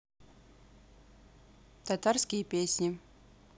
татарские песни